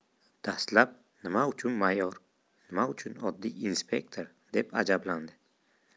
dastlab nima uchun mayor nima uchun oddiy inspektor deb ajablandi